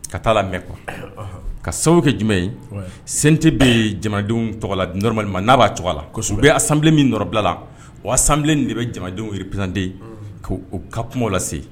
Ka taa la mɛn kuwa ka sababu kɛ jumɛn ye sente bɛ jamadenw tɔgɔlaɔrɔ ma n'a'a la bɛ sanbilen minɔrɔbilala o sanbilen de bɛ jamadenwpsanden k' o ka kuma lase